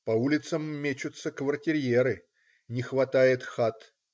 По улицам мечутся квартирьеры. Не хватает хат.